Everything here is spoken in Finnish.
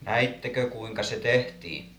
näittekö kuinka se tehtiin